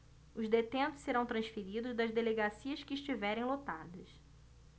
os detentos serão transferidos das delegacias que estiverem lotadas